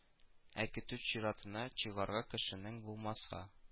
Ә көтү чиратына чыгарга кешең булмаса